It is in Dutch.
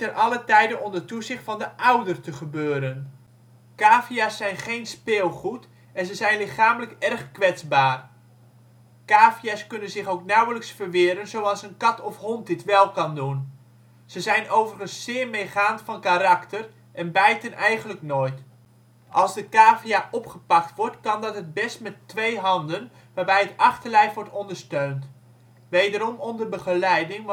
allen tijde onder toezicht van de ouder te gebeuren. Cavia 's zijn geen speelgoed en ze zijn lichamelijk erg kwetsbaar. Cavia 's kunnen zich ook nauwelijks verweren zoals een kat of hond dit wel kan doen. Ze zijn overigens zeer meegaand van karakter en bijten eigenlijk nooit. Als de cavia opgepakt wordt, kan dat het best met twee handen waarbij het achterlijf wordt ondersteund. Wederom onder begeleiding